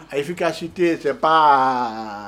A y'ifi ka si den tɛ pan